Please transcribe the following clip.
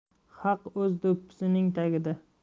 haq o'z do'ppisining tagida